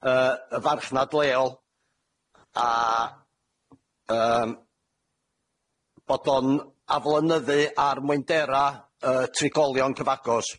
yy y farchnad leol, a yym bod o'n aflonyddu ar mwyndera y trigolion cyfagos.